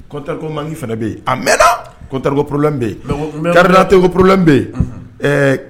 Compteur ko manque fana bɛ ye a mɛn na _compteur ko problème bɛ ye carte d'identité ko problème bɛ ye